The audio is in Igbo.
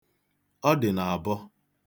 Ọ dị n'abọ.